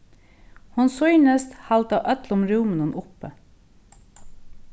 hon sýnist halda øllum rúminum uppi